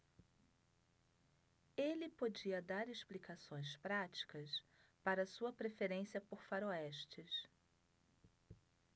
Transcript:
ele podia dar explicações práticas para sua preferência por faroestes